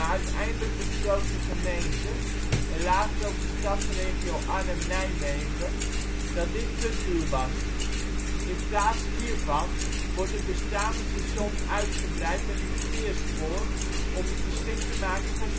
uiteindelijk besloot de gemeente (en later ook de Stadsregio Arnhem-Nijmegen) dat dit te duur was. In plaats hiervan wordt het bestaande station uitgebreid met een keerspoor om het geschikt te maken voor